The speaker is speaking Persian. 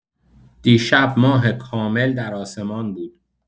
دیشب ماه کامل در آسمان بود.